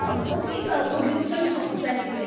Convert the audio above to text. Ond oedd hi fel, "oh you're so not genuine..."